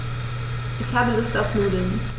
Ich habe Lust auf Nudeln.